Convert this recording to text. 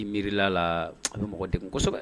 I miirila la a bɛ mɔgɔ kosɛbɛ